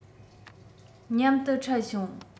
མཉམ དུ འཕྲད བྱུང